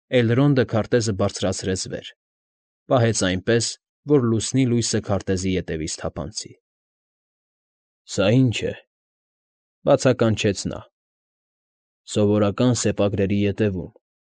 Էլրոնդը քարտեզը բարձրացրեց վեր, պահեց այնպես, որ լուսնի լույսը քարտեզի ետևից թափանցի։ ֊ Սա ի՞նչ է,֊ բացականչեց նա,֊ սովորական սեպագրերի ետևում,